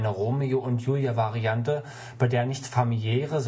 Romeo-und-Julia-Variante, bei der nicht familiäre